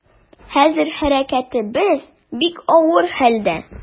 Хәзер хәрәкәтебез бик авыр хәлдә.